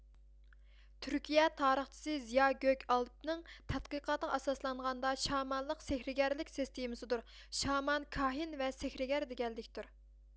تۈركىيە تارىخچىسى زىياگۆكئالىپنىڭ تەتقىقاتىغا ئاساسلانغاندا شامانلىق سېھىرىگەرلىك سېستىمىسىدۇر شامان كاھىن ۋە سېھىرىگەر دىگەنلىكتۇر